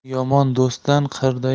yomon do'stdan qirda